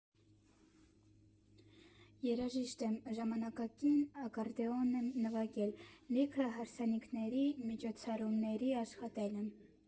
Երաժիշտ եմ, ժամանակին ակարդեոն եմ նվագել, լիքը հարսանիքների, միջոցառումների աշխատել եմ։